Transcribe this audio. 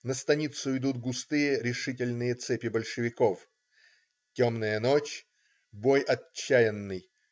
На станицу идут густые, решительные цепи большевиков. Темная ночь. Бой отчаянный.